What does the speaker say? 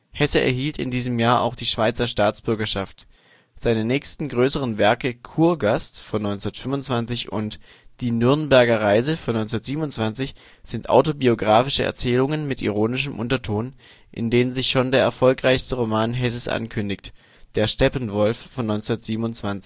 Hesse erhielt in diesem Jahr auch die Schweizer Staatsbürgerschaft. Seine nächsten größeren Werke, " Kurgast " von 1925 und " Die Nürnberger Reise " von 1927, sind autobiographische Erzählungen mit ironischem Unterton, in denen sich schon der erfolgreichste Roman Hesses ankündigt, " Der Steppenwolf " von 1927